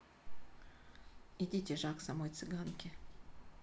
идите жак самой цыганки